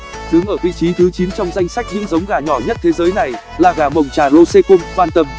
đứng ở vị trí thứ trong danh sách những giống gà nhỏ nhất thế giới này là gà mồng trà rosecomb bantam